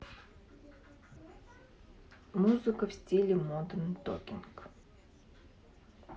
музыка в стиле модерн токинг